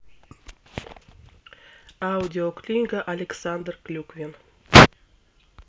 аудиокнига александр клюквин